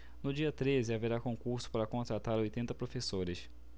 no dia treze haverá concurso para contratar oitenta professores